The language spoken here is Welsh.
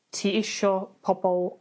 ti isio pobol